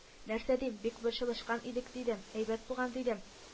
— нәрсә дим, бик борчылышкан идек дидем. әйбәт булган дидем